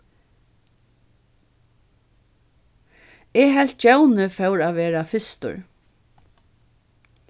eg helt djóni fór at verða fyrstur